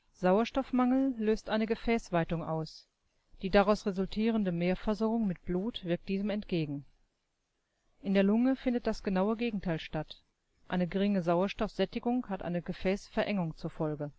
Sauerstoffmangel löst eine Gefäßweitung aus, die daraus resultierende Mehrversorgung mit Blut wirkt diesem entgegen. (In der Lunge findet das genaue Gegenteil statt, eine geringe Sauerstoffsättigung hat eine Gefäßverengung zur Folge